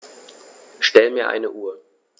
Stell mir eine Uhr.